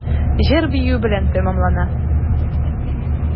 Җыр-бию белән тәмамлана.